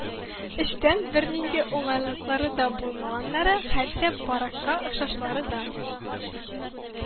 Эчтән бернинди уңайлыклары да булмаганнары, хәтта баракка охшашлары да